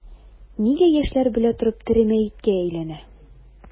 Нигә яшьләр белә торып тере мәеткә әйләнә?